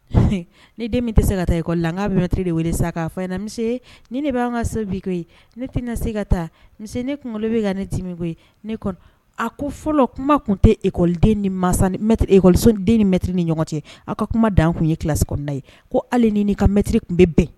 Ne den min tɛ se ka taa lantiri de wele sa ni bɛ an ka ne tɛ se ka taa ne kunkolo bɛ ka ne di ko a ko fɔlɔ kuma tun tɛ ekɔden ekɔ den nitiriri ni ɲɔgɔn cɛ aw ka kuma dan tun ye kisina ye ko hali ni ka mɛtiri tun bɛ bɛn